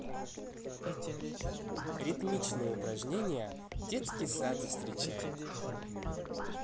ритмичные упражнения детский сад встречает